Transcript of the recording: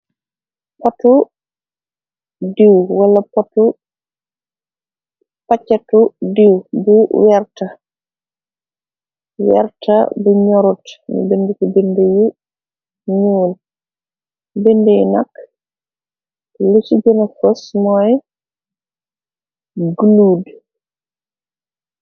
Poti diiw wala poti paccatu diiw bu weerta , weerta bu ñorut ni bind ci bind yu ñuul, bind yi nakk lu ci bina fos mooy glud.